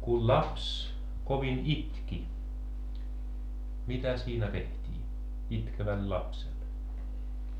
Kun laps, kovin itki, mitä siinä tehtii, itkeväl lapsel?